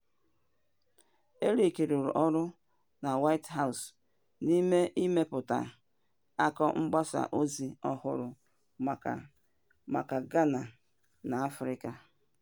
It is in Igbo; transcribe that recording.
Erik rụrụ ọrụ na White House n'ime ịmepụta akọ mgbasa ozi ọhụrụ maka Gana na Afrịka.